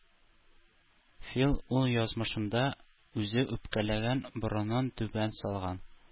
Фил үз язмышына үзе үпкәләгән, борынын түбән салган.